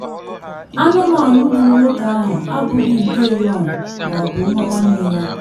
Anụmanụ gburu nwoke ahụ abụghị nke Yaun ma ọ bụ nwa nwanne ya.